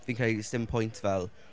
Fi'n credu sdim pwynt fel...